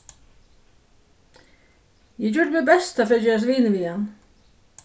eg gjørdi mítt besta fyri at gerast vinur við hann